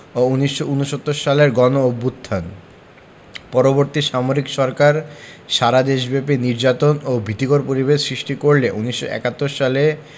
ও ১৯৬৯ সালের গণঅভ্যুত্থান পরবর্তী সামরিক সরকার সারা দেশব্যাপী নির্যাতন ও ভীতিকর পরিবেশ সৃষ্টি করলে ১৯৭১ সালে